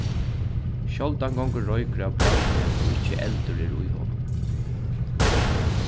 sjáldan gongur roykur av brandi og ikki eldur er í honum